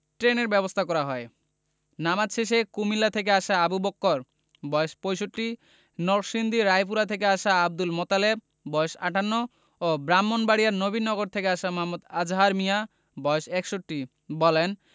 ট্রেনের ব্যবস্থা করা হয় নামাজ শেষে কুমিল্লা থেকে আসা আবু বক্কর বয়স ৬৫ নরসিংদী রায়পুরা থেকে আসা আবদুল মোতালেব বয়স ৫৮ ও ব্রাহ্মণবাড়িয়ার নবীনগর থেকে আসা মো. আজহার মিয়া বয়স ৬১ বলেন